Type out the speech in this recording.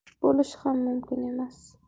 bo'lishi ham mumkin emas